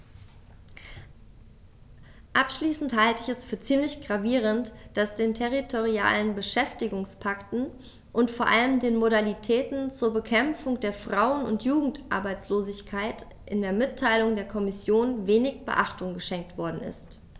Abschließend halte ich es für ziemlich gravierend, dass den territorialen Beschäftigungspakten und vor allem den Modalitäten zur Bekämpfung der Frauen- und Jugendarbeitslosigkeit in der Mitteilung der Kommission wenig Beachtung geschenkt worden ist.